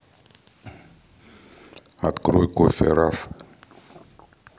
открой кофе раф